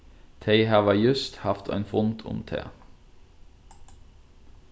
tey hava júst havt ein fund um tað